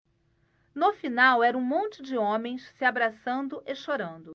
no final era um monte de homens se abraçando e chorando